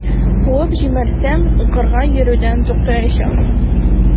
Куып җибәрсәм, укырга йөрүдән туктаячак.